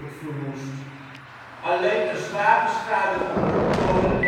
verwoest. Alleen een zwaar beschadigde hoektoren